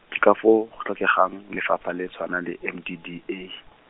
ke ka foo, go tlhokegang, lefapha le tshwana le M D D A.